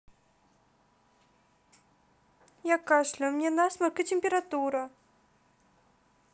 я кашляю мне насморк и температура